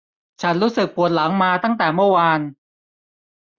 ฉันรู้สึกปวดหลังมาตั้งแต่เมื่อวาน